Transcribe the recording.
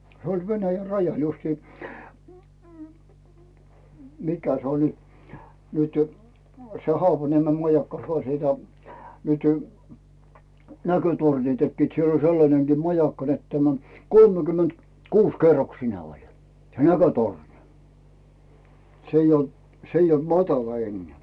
se oli Venäjän rajalla justiin -- mikä se oli nyt se Haapaniemen majakka ja ja nyt näkötornin tekivät siellä oli sellainenkin majakka että tämä kolmekymmentä- kuusi- kerroksinen oli se näkötorni se ei ollut se ei ollut matala enää